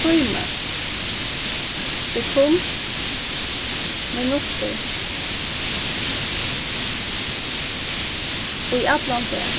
tími sekund minuttur í allan dag